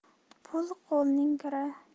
pul qo'lning kiri